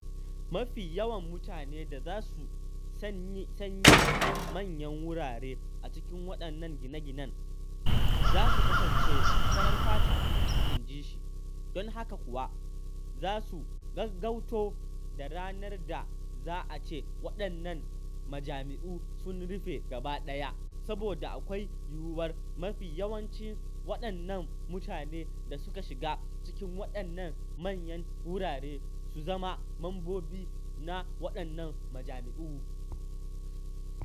“Mafi yawan mutane da za su sayi manyan wurare a cikin waɗannan gine-ginen za su kasance farar fata ne,” inji shi, “don haka kuwa za su gaggauto da ranar da za a ce waɗannan majami’u sun rufe gaba ɗaya saboda akwai yiwuwar mafi yawanci waɗannan mutane da suka shiga cikin waɗannan manyan wuraren su zama mambobi na waɗannan majami’u.”